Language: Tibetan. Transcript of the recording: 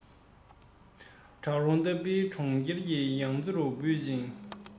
བྲག རོང ལྟ བུའི གྲོང ཁྱེར གྱི ཡང རྩེ རུ བུད ཅིང